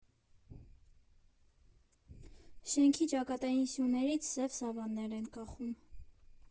Շենքի ճակատային սյուներից սև սավաններ են կախում։